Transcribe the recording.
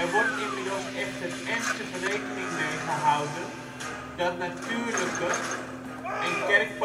wordt inmiddels echter ernstig rekening mee gehouden dat natuurlijke en (kerk) politieke